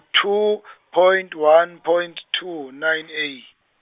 two , point one point two nine eigh-.